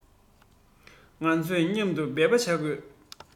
ང ཚོས མཉམ དུ འབད པ བྱ དགོས